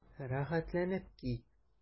Рәхәтләнеп ки!